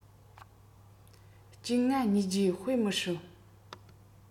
༡༥༢༨ དཔེ མི སྲིད